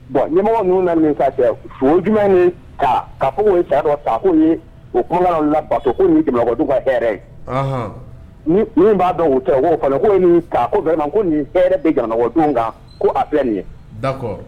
Bon ɲɛmɔgɔ ninnu nana ka so jumɛn ka fɔ ta' ye u kɔ lato ko nin gadugu ka hɛrɛ ye u b'a dɔn u kɔnɔ ko ko nin hɛrɛ bɛ gdon kan ko a filɛ nin ye